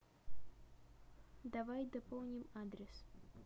давай дополним адрес